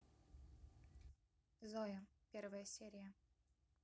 зоя первая серия